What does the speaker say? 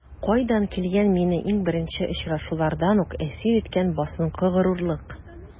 Кайдан килгән мине иң беренче очрашулардан үк әсир иткән басынкы горурлык?